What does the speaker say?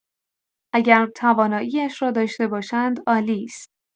اگر توانایی‌اش را داشته باشند عالی است.